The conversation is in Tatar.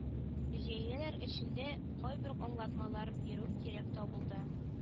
Җәяләр эчендә кайбер аңлатмалар бирү кирәк табылды